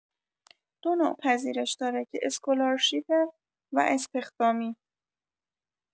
دو نوع پذیرش داره که اسکولارشیپه و استخدامی.